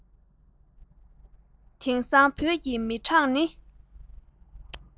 དེང སང བོད ཀྱི མི གྲངས ནི